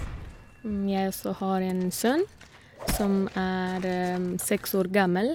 Jeg også har en sønn som er seks år gammel.